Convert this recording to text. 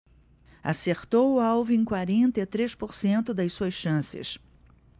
acertou o alvo em quarenta e três por cento das suas chances